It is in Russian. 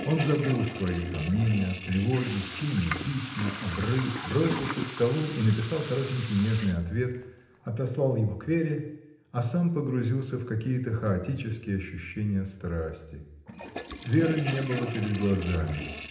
Он забыл свои сомнения, тревоги, синие письма, обрыв, бросился к столу и написал коротенький нежный ответ, отослал его к Вере, а сам погрузился в какие-то хаотические ощущения страсти. Веры не было перед глазами